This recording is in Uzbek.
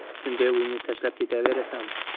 shunday uyni tashlab ketaverasanmi